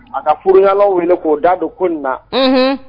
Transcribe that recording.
A ka furuɲɛlaw wele k'o da don k'o in na, unhun